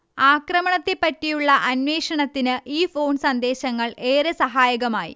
ആക്രമണത്തെപ്പറ്റിയുള്ള അന്വേഷണത്തിന് ഈ ഫോൺ സന്ദേശങ്ങൾ ഏറെ സഹായകമായി